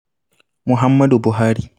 Muhammadu Buhari